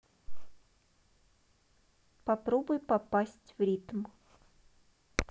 попробуй попасть в ритм